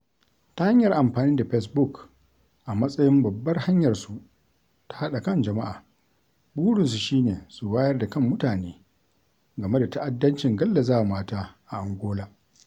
Ta hanyar amfani da Fesbuk a matsayin babbar hanyarsu ta haɗa kan jama'a, burinsu shi ne su wayar da kan mutane game da ta'addancin gallazawa mata a Angola.